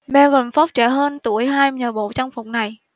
megan fox trẻ hơn tuổi hai nhờ bộ trang phục này